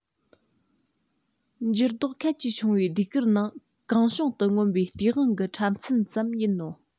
འགྱུར ལྡོག ཁད ཀྱིས བྱུང བའི ཟློས གར ནང གང བྱུང དུ མངོན པའི སྟེས དབང གི འཁྲབ ཚན ཙམ ཡིན ནོ